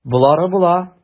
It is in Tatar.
Болары була.